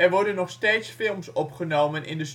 worden nog steeds films opgenomen in de